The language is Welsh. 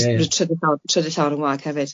trydydd llaw- trydydd llawr yn wag hefyd.